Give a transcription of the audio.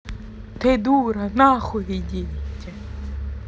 ты дура нахуйидите